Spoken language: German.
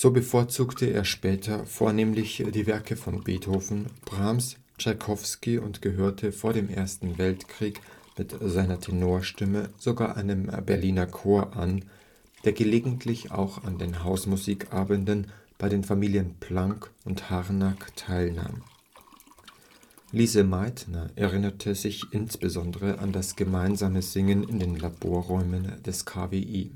bevorzugte er später vornehmlich die Werke von Beethoven, Brahms und Tschaikowski und gehörte vor dem Ersten Weltkrieg mit seiner Tenorstimme sogar einem Berliner Chor an, der gelegentlich auch an den Hausmusikabenden bei den Familien Planck und Harnack teilnahm. Lise Meitner erinnerte sich insbesondere an das gemeinsame Singen in den Laborräumen des KWI